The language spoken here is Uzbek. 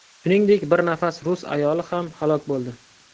shuningdek bir nafar rus ayoli ham halok bo'ldi